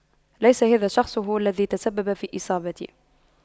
ليس هذا الشخص هو الذي تسبب في إصابتي